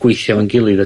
gweithio efo'n gilydd a...